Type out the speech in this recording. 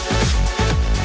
ô